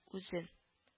Үзен